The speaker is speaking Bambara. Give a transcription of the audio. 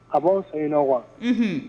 A b'aw san ɲɛna wa h